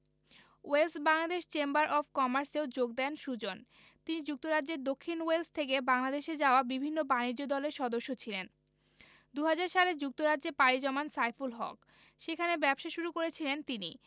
Wales Bangladesh chamber of কমার্সেও যোগ দেন সুজন তিনি যুক্তরাজ্যের দক্ষিণ ওয়েলস থেকে বাংলাদেশে যাওয়া বিভিন্ন বাণিজ্য দলের সদস্য ছিলেন ২০০০ সালে যুক্তরাজ্যে পাড়ি জমান সাইফুল হক সেখানে ব্যবসা শুরু করেছিলেন তিনি